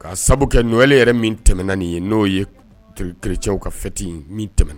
Ka sabu kɛ Noel yɛrɛ min tɛmɛna nin ye n'o ye chretiens ka fète ye min tɛmɛna